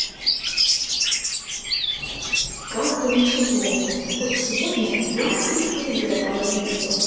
как бы ничего вот сегодня два телевизора повесил